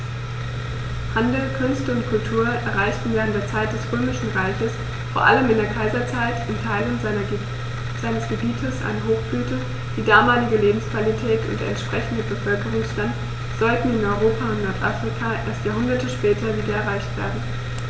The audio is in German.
Handel, Künste und Kultur erreichten während der Zeit des Römischen Reiches, vor allem in der Kaiserzeit, in Teilen seines Gebietes eine Hochblüte, die damalige Lebensqualität und der entsprechende Bevölkerungsstand sollten in Europa und Nordafrika erst Jahrhunderte später wieder erreicht werden.